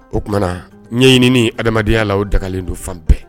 O tumaumana ɲɛɲini ni adamadamadenya la o dagalen don fan bɛɛ